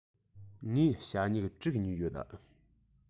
ངས ཞྭ སྨྱུག དྲུག ཉོས ཡོད